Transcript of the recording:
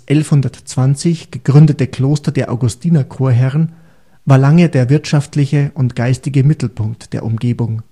1120 gegründete Kloster der Augustiner-Chorherren war lange der wirtschaftliche und geistige Mittelpunkt der Umgebung